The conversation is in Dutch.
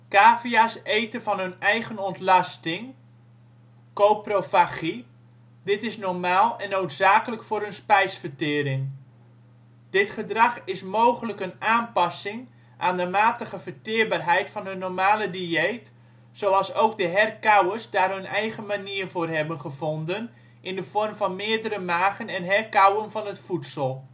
Cavia 's eten van hun eigen ontlasting (coprofagie); dit is normaal en noodzakelijk voor hun spijsvertering. Dit gedrag is mogelijk een aanpassing aan de matige verteerbaarheid van hun normale dieet, zoals ook de herkauwers daar hun eigen manier voor hebben gevonden in de vorm van meerdere magen en herkauwen van het voedsel